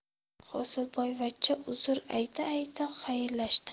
hosilboyvachcha uzr ayta ayta xayrlashdi